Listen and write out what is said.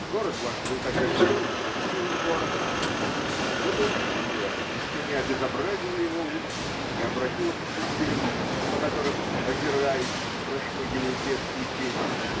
Город ваш был тогда веселым и красивым городом, братоубийство еще не обезобразило его улиц и не обратило в пустыри, по которым, озираючись, прошмыгивают редкие тени.